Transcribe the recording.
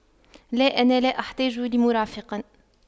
لا انا لا احتاج لمرافق